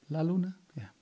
La Luna? Ie.